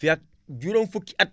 fii ak juróom fukki at